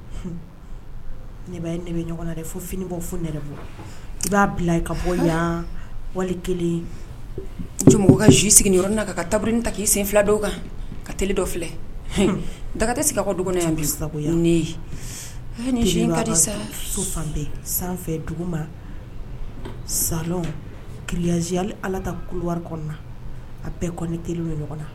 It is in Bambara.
Ne bɛ ɲɔgɔn na de fo fini bɔ fo i b'a bila ka bɔ yan wali kelen mɔgɔ ji sigi yɔrɔ na ka tabiri ta k ii sen fila dɔw kan ka teli dɔ filɛ dagatɛ sirako dɔgɔnin yan bi sagogo yan ne ye ni z fan bɛɛ sanfɛ dugu ma salon kisili ala ta kuwa kɔnɔna a bɛɛ kɔn kelen bɛ ɲɔgɔn na